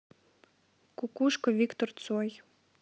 кукушка виктор цой